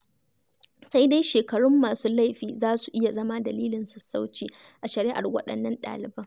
Sai dai shekarun masu laifin za su iya zama "dalilin sassauci" a shari'ar waɗannan ɗaliban.